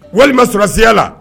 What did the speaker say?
Walima sɔrɔsiya la.